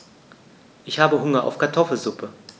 Ich habe Hunger auf Kartoffelsuppe.